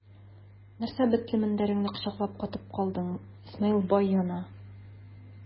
Нәрсә бетле мендәреңне кочаклап катып калдың, Исмәгыйль бай яна!